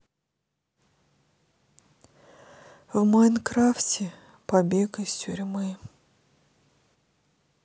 в майнкрафте побег из тюрьмы